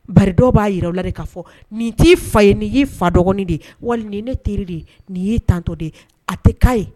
Ba dɔ b'a jira la de ka fɔ nin t'i fa ye ni ye fa dɔgɔn de ye walima nin ne teri de ye nin ye tantɔ de ye a tɛ ka ye